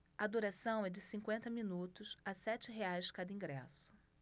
a duração é de cinquenta minutos a sete reais cada ingresso